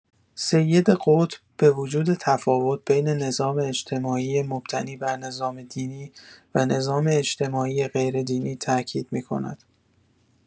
سید قطب به وجود تفاوت بین نظام اجتماعی مبتنی بر نظام دینی و نظام اجتماعی غیردینی تاکید می‌کند.